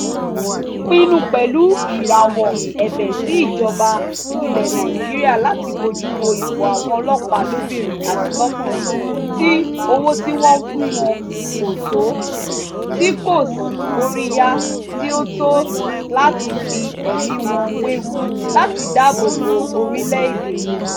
Yomi Says pinnu pẹ̀lú ìrawọ́ ẹ̀bẹ̀ sí ìjọba ilẹ̀ Nàìjíríà láti bójú wo ipò àwọn ọlọ́pàá lóbìnrin àti lọ́kùnrin tí owó tí wọ́n ń fún wọn kò tó tí kò sì sí kóríyá tí ó tó láti fi ẹ̀mí wọn wewu láti dáàbò bo orílẹ̀ èdè wọn.